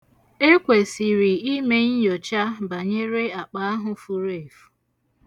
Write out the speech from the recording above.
Ekwesiri ime nnyocha banyere akpa ahụ furu efu.